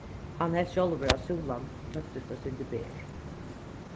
hann helt sjálvur at súlan tóktist eitt sindur ber